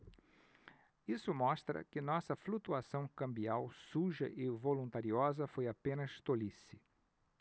isso mostra que nossa flutuação cambial suja e voluntariosa foi apenas tolice